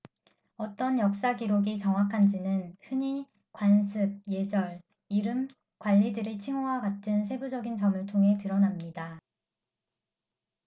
어떤 역사 기록이 정확한지는 흔히 관습 예절 이름 관리들의 칭호와 같은 세부적인 점을 통해 드러납니다